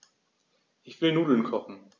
Ich will Nudeln kochen.